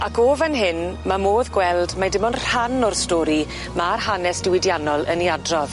Ac o fan hyn, ma' modd gweld mai dim ond rhan o'r stori ma'r hanes diwydiannol yn 'i adrodd.